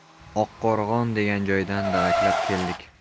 oqqo'rg'on degan joydan daraklab keldik